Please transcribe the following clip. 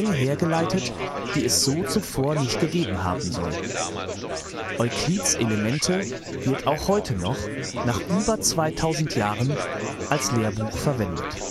hergeleitet, die es zuvor nicht gegeben haben soll. Euklids „ Elemente “wird auch noch heute nach über 2000 Jahren als Lehrbuch verwendet